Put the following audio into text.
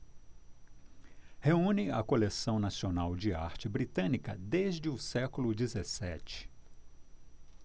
reúne a coleção nacional de arte britânica desde o século dezessete